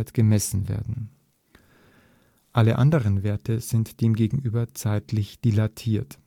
gemessen werden. Alle anderen Werte sind demgegenüber „ zeitlich dilatiert